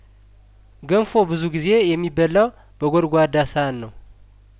ገንፎ ብዙ ጊዜ የሚበላው በጐድጓዳ ሳህን ነው